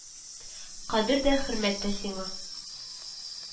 Кадер дә, хөрмәт тә сиңа